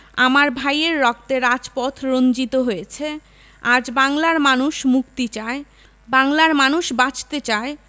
আমার ভাইয়ের রক্তে রাজপথ রঞ্জিত হয়েছে আজ বাংলার মানুষ মুক্তি চায় বাংলার মানুষ বাঁচতে চায়